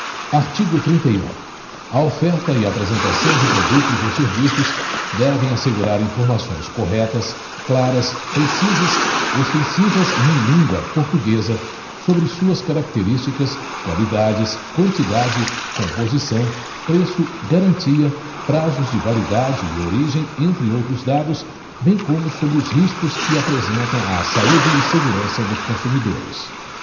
artigo trinta e um a oferta e apresentação de produtos ou serviços devem assegurar informações corretas claras precisas ostensivas e em língua portuguesa sobre suas características qualidades quantidade composição preço garantia prazos de validade e origem entre outros dados bem como sobre os riscos que apresentam à saúde e segurança dos consumidores